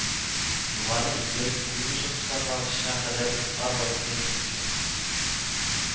Югары Идел, Куйбышев сусаклагычына кадәр Ука бассейны кушылмый